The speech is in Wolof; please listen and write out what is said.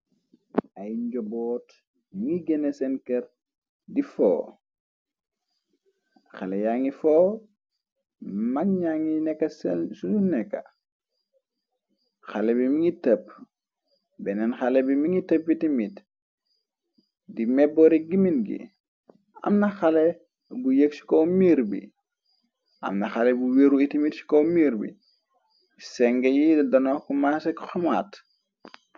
Ay njoboot yu ngi gene seen kër di foo, xale ya ngi foo, mag ñangi nekka si luñ nekka, xale bi mi ngi tëpp benneen xale bi mingi tëp itimit di mebali gimin gi, amna xale bu yeg ci kow mir bi, amna xale bu wiiru itimit ci kow mir bi, senge yi dano kumasek xomaat.